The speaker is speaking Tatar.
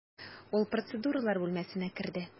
Ул процедуралар бүлмәсенә керде.